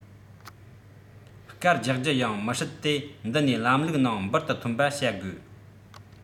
སྐར རྒྱག རྒྱུ ཡང མི སྲིད དེ འདི ནས ལམ ལུགས ནང འབུར དུ ཐོན པར བྱ དགོས